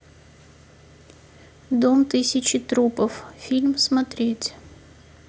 дом тысяча трупов фильм смотреть